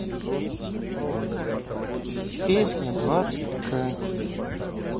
песня двадцать к